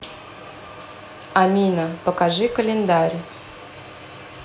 амина покажи календарь